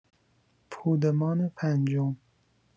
پودمان پنجم